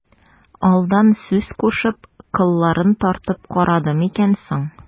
Алдан сүз кушып, кылларын тартып карадымы икән соң...